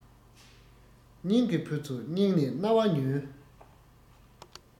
སྙིང གི བུ ཚོ སྙིང ནས རྣ བ ཉོན